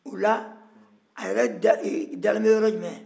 o la a yɛrɛ dalen bɛ yɔrɔ jumɛn